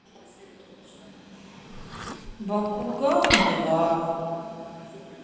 бакуган два